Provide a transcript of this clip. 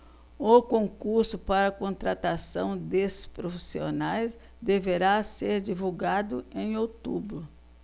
o concurso para contratação desses profissionais deverá ser divulgado em outubro